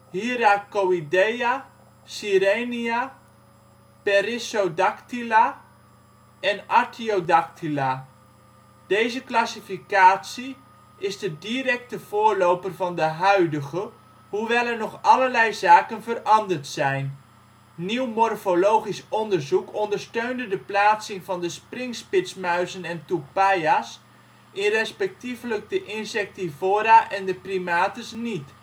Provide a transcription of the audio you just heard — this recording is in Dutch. Hyracoidea, Sirenia, Perissodactyla en Artiodactyla. Deze classificatie is de directe voorloper van de huidige, hoewel er nog allerlei zaken veranderd zijn. Nieuw morfologisch onderzoek ondersteunde de plaatsing van de springspitsmuizen en toepaja 's in respectievelijk de Insectivora en de Primates niet